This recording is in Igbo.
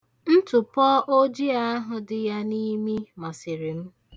Ntụpọ ojii ahụ dị ya n'imi masiri m.